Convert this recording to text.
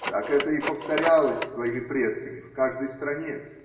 Так это и повторялось с твоими предками в каждой стране.